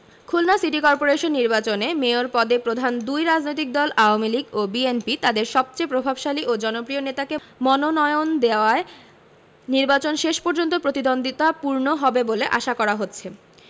Khulna city corporation নির্বাচনে mayor পদে প্রধান দুই রাজনৈতিক দল আওয়ামী লীগ ও বিএনপি তাদের সবচেয়ে প্রভাবশালী ও জনপ্রিয় নেতাকে মনোনয়ন দেওয়ায় নির্বাচন শেষ পর্যন্ত প্রতিদ্বন্দ্বিতাপূর্ণ হবে বলে আশা করা হচ্ছে